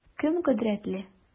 Кем кодрәтле?